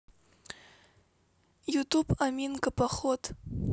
ютуб аминка поход